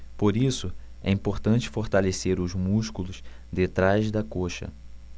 por isso é importante fortalecer os músculos de trás da coxa